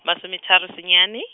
masome tharo senyane.